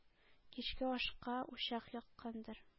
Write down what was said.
Кичке ашка учак яккандыр.